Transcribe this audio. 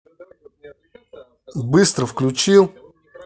быстро включил